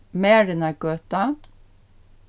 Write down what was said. marinargøta